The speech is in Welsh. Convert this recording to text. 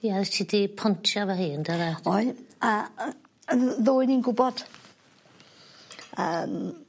Ie wyt ti 'di pontio 'fo hi on'd do fe? Oedd. A y- 'yn ddwy ni'n gwbod yym